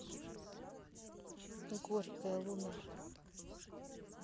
горькая луна